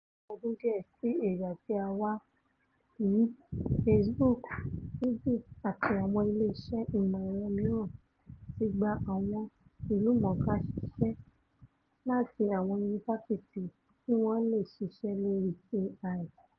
Láàárín ọdún díẹ̀ sí ìgbà tí a wà yìí Facebook, Google àti àwọn ilé iṣẹ́ ìmọ̀-ẹ̀rọ mìíràn ti gba àwọn ìlúmọ̀ọ́ká ṣiṣẹ́ láti àwọn yunifásitì kí wọ́n leè ṣiṣẹ́ lórí AI.